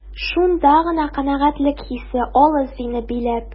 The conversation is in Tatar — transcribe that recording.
Шунда гына канәгатьлек хисе алыр сине биләп.